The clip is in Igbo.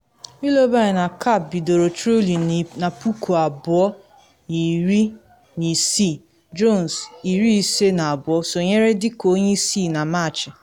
Willoughby na Capp bidoro Truly na 2016, Jones, 52, sonyere dị ka onye isi na Machị.